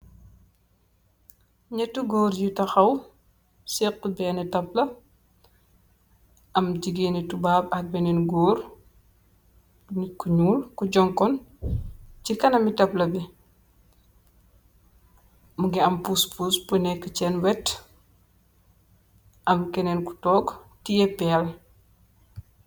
Neeti goor yu tahaw sega bena tabla. Am jigeeni tubab ak benen goor nitt ku nuul ku jonkon si kanami tablo bi. Mugi am puspus bu neka sen weet am kenen ko tog tiyeh peel.